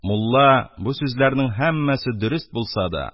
Мулла, бу сүзләрнең һәммәсе дөрест булса да,